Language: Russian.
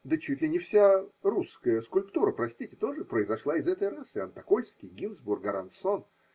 Да чуть ли не вся русская скульптура, простите, тоже произошла из этой расы – Антокольский. Гинцбург. Аронсон.